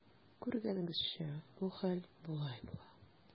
Күргәнегезчә, бу хәл болай була.